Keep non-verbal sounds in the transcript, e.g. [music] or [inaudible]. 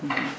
[noise] [hesitation] [hesitation]